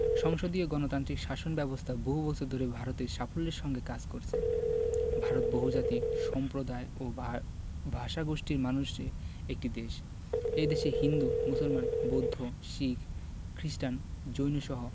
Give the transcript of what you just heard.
সংসদীয় গণতান্ত্রিক শাসন ব্যাবস্থা বহু বছর ধরে ভারতে সাফল্যের সঙ্গে কাজ করছে ভারত বহুজাতি সম্প্রদায় ও ভাষাগোষ্ঠীর মানুষের একটি দেশ এ দেশে হিন্দু মুসলমান বৌদ্ধ শিখ খ্রিস্টান জৈনসহ